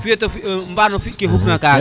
feto fi ɓano fi ke xup na kaga